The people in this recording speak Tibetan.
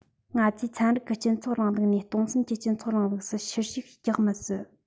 ང ཚོས ཚན རིག གི སྤྱི ཚོགས རིང ལུགས ནས སྟོང བསམ གྱི སྤྱི ཚོགས རིང ལུགས སུ ཕྱིར ཤིག རྒྱག མི སྲིད